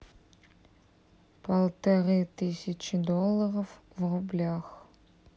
полторы тысячи долларов в рублях